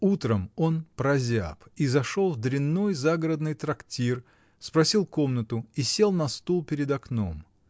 Утром он прозяб и зашел в дрянной загородный трактир, спросил комнату и сел на стул перед окном.